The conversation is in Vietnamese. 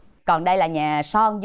còn đây là nhà son